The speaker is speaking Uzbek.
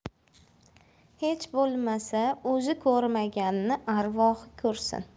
hech bo'lmasa o'zi ko'rmaganni arvohi ko'rsin